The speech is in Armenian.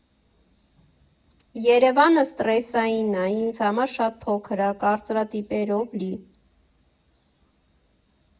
Երևանը սթրեսային ա, ինձ համար շատ փոքր ա, կարծրատիպերով լի։